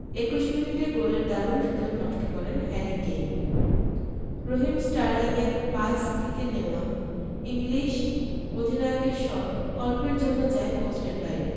২১ মিনিটে গোলের দারুণ সুযোগ নষ্ট করেন হ্যারি কেইন রহিম স্টার্লিংয়ের পাস থেকে নেওয়া ইংলিশ অধিনায়কের শট অল্পের জন্য যায় পোস্টের বাইরে